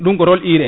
ɗum ko rôle urée